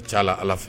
C'a la Ala fɛ